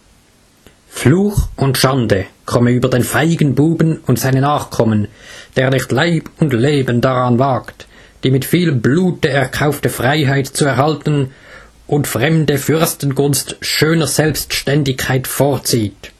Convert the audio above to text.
Fluch und Schande komme über den feigen Buben und seine Nachkommen, der nicht Leib und Leben daran wagt, die mit vielem Blute erkaufte Freiheit zu erhalten, und fremde Fürstengunst schöner Selbständigkeit vorzieht